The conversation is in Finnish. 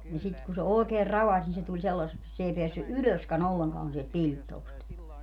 niin sitten kun se oikein ravasi niin se tuli sellaiseksi että se ei päässyt ylöskään ollenkaan sieltä pilttuusta